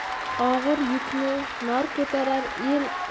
og'ir yukni nor ko'tarar